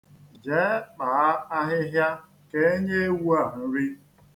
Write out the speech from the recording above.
Jee kpaa ahịhịa ka e nye ewu a nri.